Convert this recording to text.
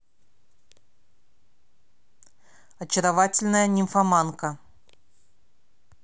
очаровательная нимфоманка